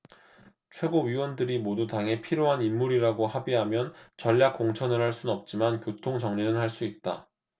최고위원들이 모두 당에 필요한 인물이라고 합의하면 전략공천을 할 순 없지만 교통정리는 할 수 있다